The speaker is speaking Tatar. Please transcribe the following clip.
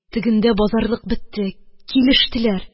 Тегендә базарлык бетте. Килештеләр